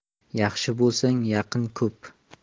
yaxshi bo'lsang yaqin ko'p